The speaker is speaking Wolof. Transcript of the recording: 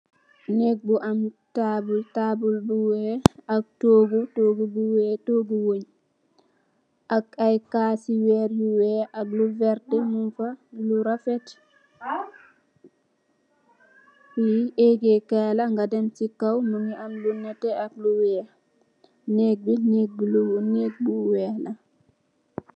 Nehgg bu am taabul, taabul bu wekh ak tohgu, tohgu bu wekh, tohgu weungh, ak aiiy kassi wehrre yu wekh ak lu vertue mung fa lu rafet, lii ehhgeh kaii la nga dem cii kaw mungy am lu nehteh ak lu wekh, nehgg bii nehgg lu nehgg bu wekh la.